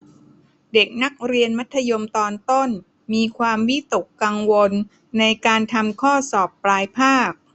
เด็กนักเรียนมัธยมตอนต้นมีความวิตกกังวลในการทำข้อสอบปลายภาค